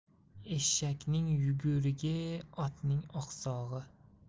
eshakning yugurigi otning oqsog'i